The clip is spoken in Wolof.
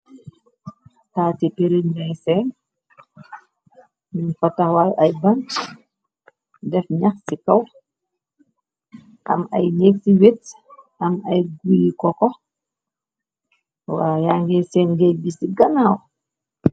Taati pirenese min fa taxwal ay banc def ñax ci kaw am ay nég ci wet am ay guyi ko kox waa yange seen ngey bis ci ganaaw.